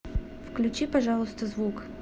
включи пожалуйста звук